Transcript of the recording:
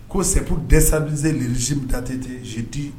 Ko segu dɛsɛsa dɛsɛsɛn si bɛtate cɛ zdi